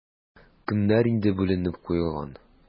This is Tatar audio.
Көннәр инде бүленеп куелган.